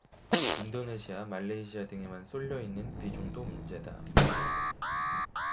인도네시아 말레이시아 등에만 쏠려 있는 비중도 문제다